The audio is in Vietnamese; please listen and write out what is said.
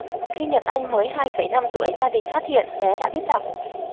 khi nhật anh mới hai phẩy năm tuổi gia đình phát hiện bé đã biết đọc